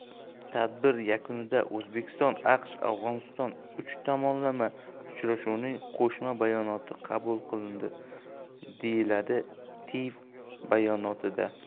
tadbir yakunida o'zbekiston aqsh afg'oniston uch tomonlama uchrashuvining qo'shma bayonoti qabul qilindi deyiladi tiv bayonotida